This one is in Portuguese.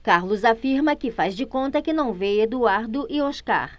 carlos afirma que faz de conta que não vê eduardo e oscar